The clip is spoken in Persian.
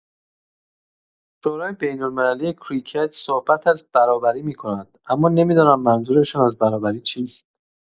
شورای بین‌المللی کریکت صحبت از برابری می‌کند، اما نمی‌دانم منظورشان از برابری چیست.